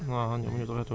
ngeen signaler waa Daara